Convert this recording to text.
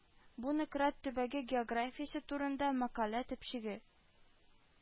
Бу Нократ төбәге географиясе турында мәкалә төпчеге